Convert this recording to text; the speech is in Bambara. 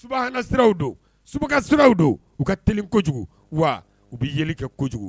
Subahana siraw don subaga siraw don u ka teli kojugu waa u bi yeli kɛ kojugu